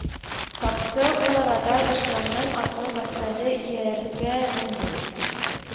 Капты, ул арада дошманның атлы гаскәре ияргә менде